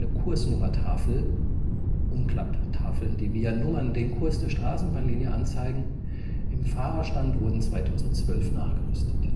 Kursnummertafel – Umklapptafeln, die via Nummern den Kurs der Straßenbahnlinie anzeigen – im Fahrerstand wurden 2012 nachgerüstet